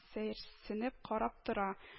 Сәерсенеп карап тора